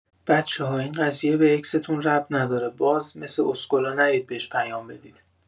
بچه‌ها این قضیه به اکستون ربط نداره، باز مث اسکلا نرید بهش پیام بدید.